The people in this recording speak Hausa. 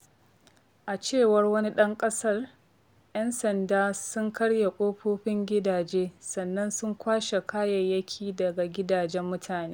A cewar wani ɗan ƙasar, 'yan sanda sun karya ƙofofin gidaje sannan sun kwashe kayayyaki daga gidajen mutane.